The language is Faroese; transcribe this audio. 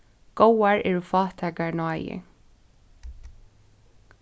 góðar eru fátækar náðir